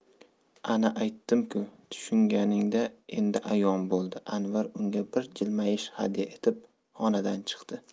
ana aytdim ku tushunganing endi ayon bo'ldi anvar unga bir jilmayish hadya etib xonadan chiqdi